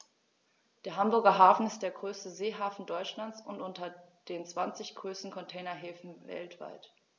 Der Hamburger Hafen ist der größte Seehafen Deutschlands und unter den zwanzig größten Containerhäfen weltweit.